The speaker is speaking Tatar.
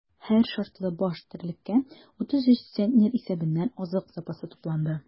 Һәр шартлы баш терлеккә 33 центнер исәбеннән азык запасы тупланды.